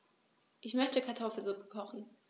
Ich möchte Kartoffelsuppe kochen.